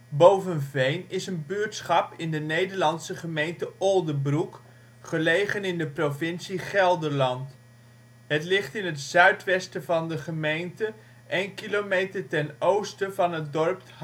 Bovenveen is een buurtschap in de Nederlandse gemeente Oldebroek, gelegen in de provincie Gelderland. Het ligt in het zuidwesten van de gemeente 1 kilometer ten oosten van het dorp